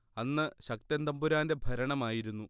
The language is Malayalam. അന്ന് ശക്തൻ തമ്പുരാന്റെ ഭരണമായിരുന്നു